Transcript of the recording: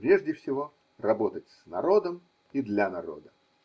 прежде всего, работать с народом и для народа.